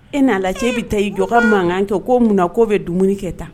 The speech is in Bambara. E n'a la cɛ bɛ taa i jɔka mankan kɛ k'o munna na k'o bɛ dumuni kɛ tan